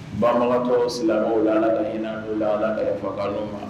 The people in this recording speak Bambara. Bantɔ silamɛw la ala la ka ɲin' la la faga ma